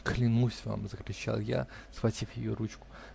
-- Клянусь вам, --закричал я, схватив ее ручку.